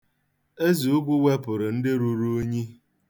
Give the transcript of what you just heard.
Ezeugwu wepụrụ ndị ruru unyi.